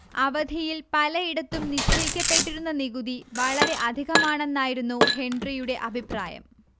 അവധിയിൽ പലയിടത്തും നിശ്ചയിക്കപ്പെട്ടിരുന്ന നികുതി വളരെ അധികമാണെന്നായിരുന്നു ഹെൻറിയുടെ അഭിപ്രായം